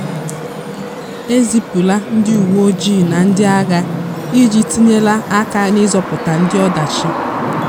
Ezipụla ndị uwe ojii na ndị agha iji tinyela aka n'ịzọpụta ndị ọdachi.